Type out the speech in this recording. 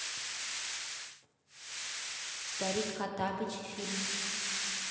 старик хоттабыч фильм